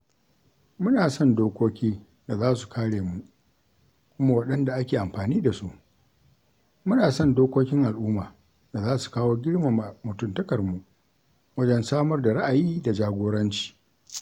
Muna son dokoki da za su kare mu kuma waɗanda ake amfani da su, muna son dokokin al'umma da za su kawo girmama mutuntakarmu wajen samar da ra'ayi da jagoranci.